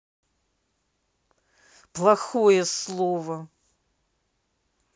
плохое слово